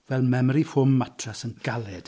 Fel memory foam matress yn galed.